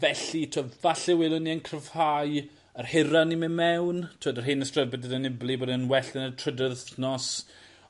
Felly t'wo' falle welwn ni e'n cryfhau yr hira ni'n myn' mewn. T'wod yr hen ystrybed gyda Nibali bod e'n well yn y trydydd wthnos.